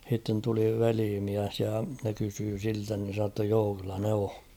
sitten tuli velimies ja ne kysyi siltä niin se sanoi jotta joo kyllä ne on